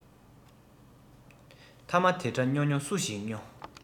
ཐ མ དེ འདྲའི སྨྱོ སྨྱོ སུ ཞིག སྨྱོ